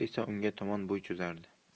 esa unga tomon bo'y cho'zardi